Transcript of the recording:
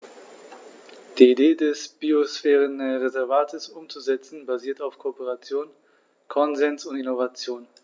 Die Idee des Biosphärenreservates umzusetzen, basiert auf Kooperation, Konsens und Innovation.